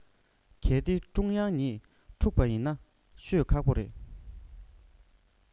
གལ ཏེ ཀྲུང དབྱང རང གཉིད འཁྲུག པ ཡིན ན ཤོད ཁག པོ རེད